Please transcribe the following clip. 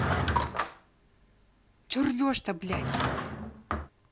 че рвешь то блядь